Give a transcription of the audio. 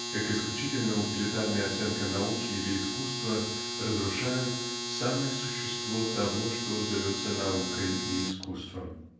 как исключительно утилитарная оценка науки или искусства разрушает самое существо того что зовется наукой и искусством.